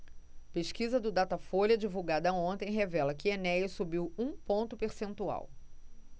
pesquisa do datafolha divulgada ontem revela que enéas subiu um ponto percentual